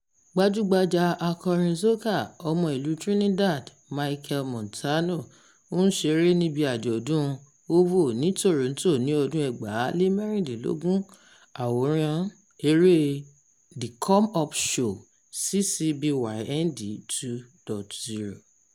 Gbajúgbajà akọrin soca ọmọ ìlú Trinidad Machel Montano ń ṣeré níbi Àjọ̀dún OVO ní Toronto ní ọdún 2016. ÀWÒRÁN: Eré The Come Up Show (CC BY-ND 2.0)